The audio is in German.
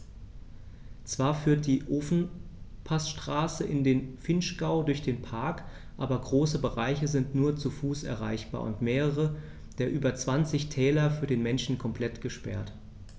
Zwar führt die Ofenpassstraße in den Vinschgau durch den Park, aber große Bereiche sind nur zu Fuß erreichbar und mehrere der über 20 Täler für den Menschen komplett gesperrt.